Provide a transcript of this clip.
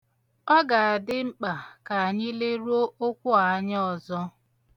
Ọ ga-adị mkpa ka anyị leruo okwu a anya ọzọ.